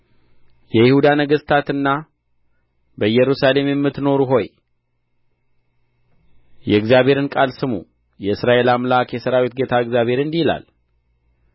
የይሁዳ ነገሥታትና በኢየሩሳሌም የምትኖሩ ሆይ የእግዚአብሔርን ቃል ስሙ የእስራኤል አምላክ የሠራዊት ጌታ እግዚአብሔር እንዲህ ይላል